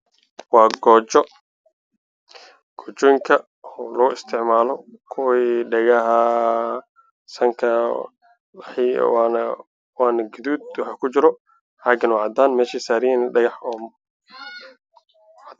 Meeshan waxaa yaalla goobjo